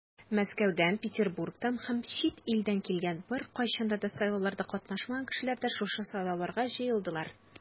Мәскәүдән, Петербургтан һәм чит илдән килгән, беркайчан да сайлауларда катнашмаган кешеләр дә шушы сайлауларга җыелдылар.